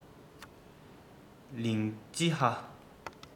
ཝང ཀྲེན ཝུའེ བཅས མཇལ རང སྐད སྲོང པོར བརྗོད པའི སྨྲ བ མེད